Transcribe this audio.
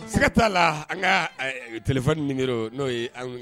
Sɛgɛiga t'a la an ka tile nige n'o ye